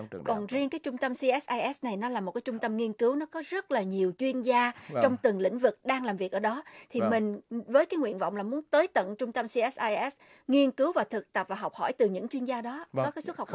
còn riêng các trung tâm xi s ai s này nó là một cách trung tâm nghiên cứu nó có rất là nhiều chuyên gia trong từng lĩnh vực đang làm việc ở đó thì mình với cái nguyện vọng muốn tới tận trung tâm xi s ai s nghiên cứu và thực tập và học hỏi từ những chuyên gia đó nó có xuất học